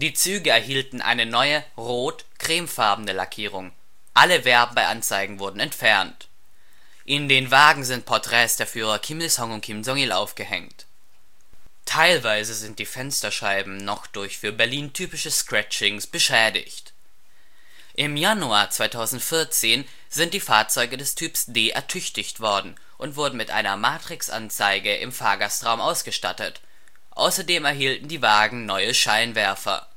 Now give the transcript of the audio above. Züge erhielten eine neue rot/cremefarbene Lackierung, alle Werbeanzeigen wurden entfernt. In den Wagen sind Porträts der Führer Kim Il-sung und Kim Jong-il aufgehängt. Teilweise sind die Fensterscheiben noch durch für Berlin typische Scratchings beschädigt. Im Januar 2014 sind die Fahrzeuge des Typs D ertüchtigt worden und wurden mit einer Matrixanzeige im Fahrgastraum ausgestattet, außerdem erhielten die Wagen neue Scheinwerfer